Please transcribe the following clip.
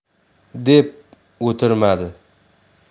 deb o'tirmadi